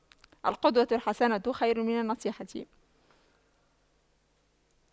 القدوة الحسنة خير من النصيحة